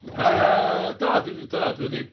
Yy do dwi 'di, do dwi 'di...